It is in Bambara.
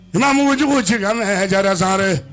Tuma mugujugu cɛ ka jara sare